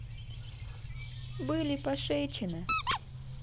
были пошечины